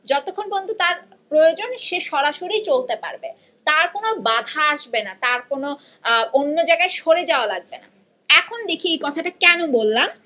যতক্ষণ পর্যন্ত তার প্রয়োজন সে সরাসরি চলতে পারবে তার কোনো বাধা আসবে না তার কোন অন্য জায়গায় সরে যাওয়া লাগবে না এখন দেখি এই কথাটা কেন বললাম